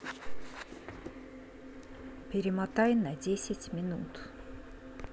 перемотай на десять минут